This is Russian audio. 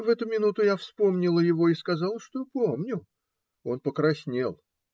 В эту минуту я вспомнила его и "казала, что помню. Он покраснел.